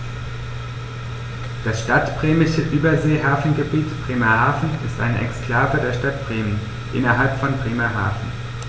Das Stadtbremische Überseehafengebiet Bremerhaven ist eine Exklave der Stadt Bremen innerhalb von Bremerhaven.